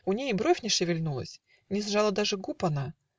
У ней и бровь не шевельнулась; Не сжала даже губ она.